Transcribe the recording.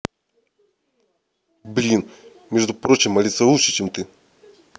блин между прочим алиса лучше чем ты